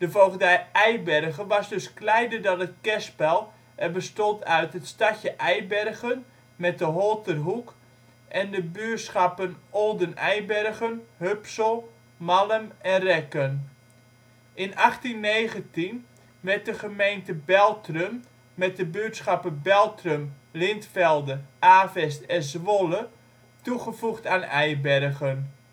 voogdij Eibergen was dus kleiner dan het kerspel en bestond uit: het stadje Eibergen met de Holterhoek en de buurschappen Olden Eibergen, Hupsel, Mallem en Rekken. In 1819 werd de gemeente Beltrum, met de buurschappen Beltrum, Lintvelde, Avest en Zwolle, toegevoegd aan Eibergen